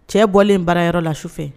Cɛ bɔlen baarayɔrɔ la su fɛ